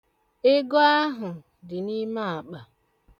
Ego ahụ dị n'ime akpa.